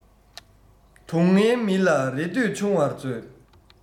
དུང ངན མི ལ རེ ལྟོས ཆུང བར མཛོད